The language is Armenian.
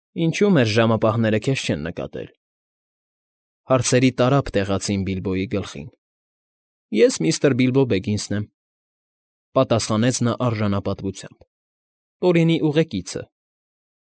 Ինչո՞ւ մեր ժամապահները քեզ չեն նկատել,֊ հարցերի տարափ տեղացին Բիլբոյի գլխին։ ֊ Ես միստր Բիլբո Բեգինսն եմ,֊ պատասխանեց նա արժանապատվությամբ,֊ Տորինի ուղեկիցը։